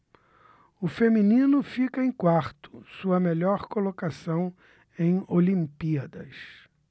o feminino fica em quarto sua melhor colocação em olimpíadas